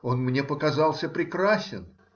— он мне показался прекрасен.